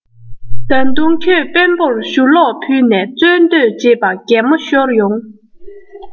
ད དུང ཁྱོད དཔོན པོར ཞུ ལོག ཕུལ ནས རྩོད འདོད བྱེད པ གད མོ ཤོར ཡོང